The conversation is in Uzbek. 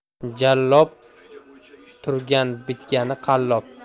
jallob turgan bitgani qallob